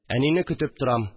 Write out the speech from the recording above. Әнине көтеп торам